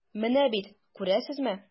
Менә бит, күрәсезме.